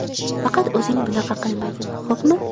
faqat o'zing bunaqa qilmagin xo'pmi